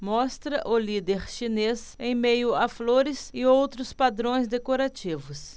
mostra o líder chinês em meio a flores e outros padrões decorativos